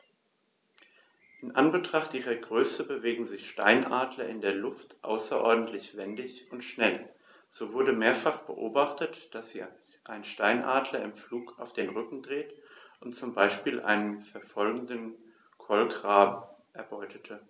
In Anbetracht ihrer Größe bewegen sich Steinadler in der Luft außerordentlich wendig und schnell, so wurde mehrfach beobachtet, wie sich ein Steinadler im Flug auf den Rücken drehte und so zum Beispiel einen verfolgenden Kolkraben erbeutete.